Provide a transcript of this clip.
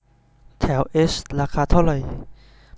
แถวเอชราคาเท่าไหร่